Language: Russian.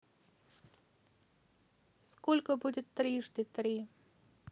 сколько будет трижды три